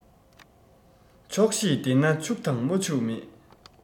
ཆོག ཤེས ལྡན ན ཕྱུག དང མ ཕྱུག མེད